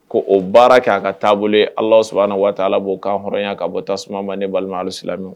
Ko o baara kɛ a ka taabolo ye, Ala Soubhana wa ta Alaa b'o kan hɔrɔnya ka bɔ tasuma ma, ne balima alisilamɛw.